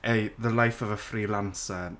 Ei, the life of a freelancer